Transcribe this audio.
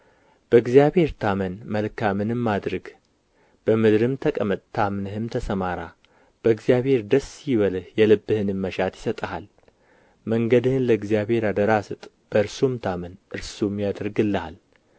በእግዚአብሔር ታመን መልካምንም አድርግ በምድርም ተቀመጥ ታምነህም ተሰማራ በእግዚአብሔር ደስ ይበልህ የልብህንም መሻት ይሰጥሃል መንገድህን ለእግዚአብሔር አደራ ስጥ በእርሱም ታመን እርሱም ያደርግልሃል